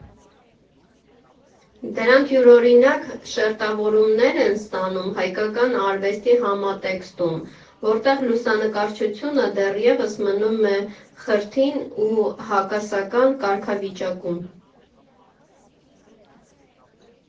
Դրանք յուրօրինակ շերտավորումներ են ստանում հայկական արվեստի համատեքստում, որտեղ լուսանկարչությունը դեռևս մնում է խրթին ու հակասական կարգավիճակում։